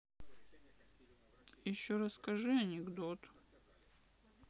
еще расскажи анекдот